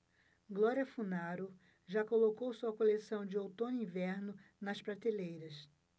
glória funaro já colocou sua coleção de outono-inverno nas prateleiras